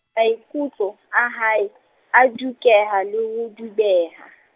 maikutlo, a hae, a dukeha le ho dubeha.